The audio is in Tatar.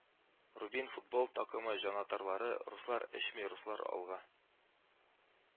Рубин футбол такымы җанатарлары Руслар эчми, руслар алга